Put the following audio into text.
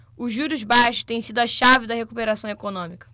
os juros baixos têm sido a chave da recuperação econômica